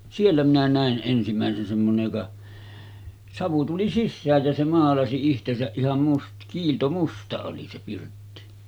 siellä minä näin ensimmäisen semmoinen joka savu tuli sisään ja se maalasi itsensä ihan - kiiltomusta oli se pirtti